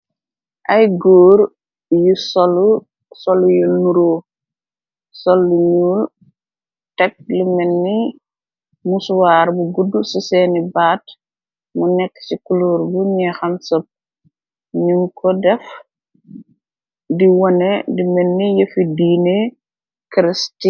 Ay góor yu solu, yu nuru sollu ñuul tek li menni musuwaar bu gudd ci seeni baat. Mu nekk ci kuluor bu ñexam sepp, ñu ko def di wone di menni yefi diine crstian.